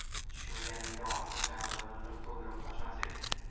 tushunganingda oltita chamadonni liq to'ldirib qochmas eding